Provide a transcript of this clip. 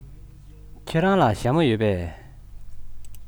ཁྱེད རང ལ ཞྭ མོ ཡོད པས